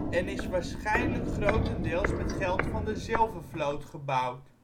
en is waarschijnlijk grotendeels met geld van de Zilvervloot gebouwd